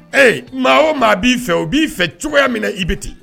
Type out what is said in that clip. Ee maa o maa b'i fɛ o b'i fɛ cogoya min i bɛ ten